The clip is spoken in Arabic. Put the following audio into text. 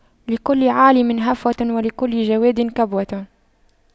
لكل عالِمٍ هفوة ولكل جَوَادٍ كبوة